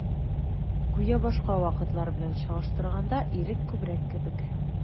Гүя башка вакытлар белән чагыштырганда, ирек күбрәк кебек.